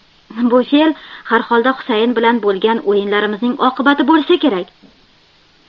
bu fe'l harholda husayn bilan bo'lgan o'yinlarimning oqibati bo'lsa kerak